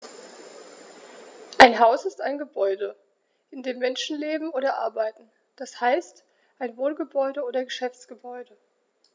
Ein Haus ist ein Gebäude, in dem Menschen leben oder arbeiten, d. h. ein Wohngebäude oder Geschäftsgebäude.